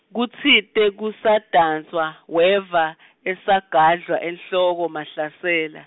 kutsite kusadanswa, weva, asagadlwa enhloko Mahlasela.